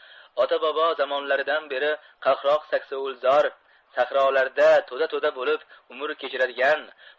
ota bobo zamonlaridan beri qaqroq saksovulzor sahrolarda to'da to'da bo'lib umr kechiradigan